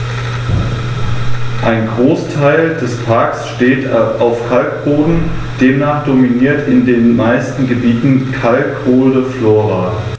Ein Großteil des Parks steht auf Kalkboden, demnach dominiert in den meisten Gebieten kalkholde Flora.